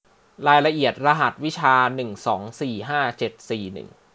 รายละเอียดรหัสวิชาหนึ่งสองสี่ห้าเจ็ดสี่หนึ่ง